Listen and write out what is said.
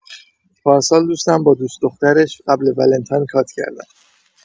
پارسال دوستم با دوس دخترش قبل ولنتاین کات کردن